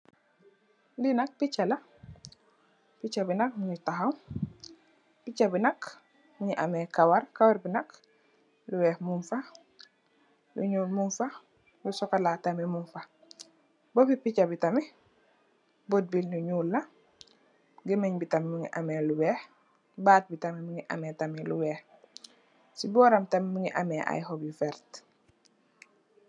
Lii nak pitcha la, pitcha bii nak mungy takhaw, pitcha bii nak mungy ameh kawarr, kawarr bii nak lu wekh mung fa, lu njull mung fa, lu chocolat tamit mung fa, bopi pitcha bii tamit bot bii lu njull la, gehmengh bii tamit mungy ameh lu wekh, baat bii tamit mungy ameh tamit lu wekh, cii bohram tamit mungy ameh aiiy hohbb yu vert.